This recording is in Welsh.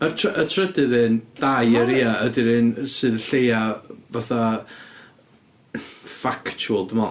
Yr try- y trydydd un, Dierrhea, ydy'r un sydd lleia fatha factual, dwi'n meddwl.